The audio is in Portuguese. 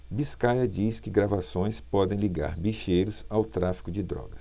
biscaia diz que gravações podem ligar bicheiros ao tráfico de drogas